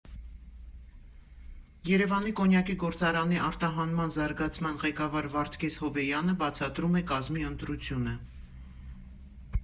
Երևանի կոնյակի գործարևանի արտահանման զարգացման ղեկավար Վարդգես Հովեյանը բացատրում է կազմի ընտրությունը.